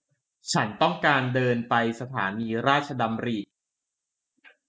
ฉันต้องการเดินทางไปสถานีราชดำริ